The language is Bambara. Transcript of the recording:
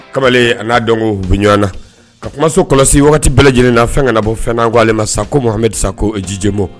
Kamalen a n'a dɔn bɛ ɲɔgɔn na a kumaso kɔlɔsi bɛɛ lajɛlenna fɛn ka na bɔ fɛnna'ale ma sa ko mahamadu disa ko jijibo